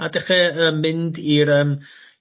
a dechre yy mynd i'r yym